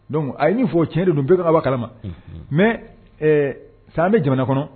Don a ye fɔ cɛnɲɛn de don bɛɛk kama mɛ san bɛ jamana kɔnɔ